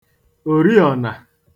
òriọ̀nà